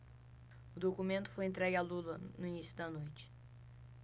o documento foi entregue a lula no início da noite